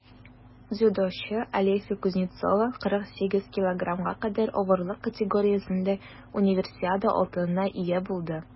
Дзюдочы Алеся Кузнецова 48 кг кадәр авырлык категориясендә Универсиада алтынына ия булды.